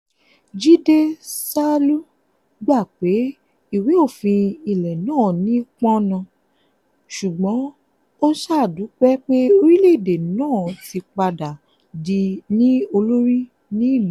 Jide Salu gbà pé ìwé òfin ilẹ̀ náà ní pọ́nńna, sùgbọ́n ó ṣá dúpẹ́ pé orílẹ̀-èdè náà ti padà ní olórí ní ìgbẹ̀yìn.